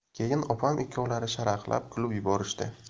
keyin opam ikkovlari sharaqlab kulib yuborishdi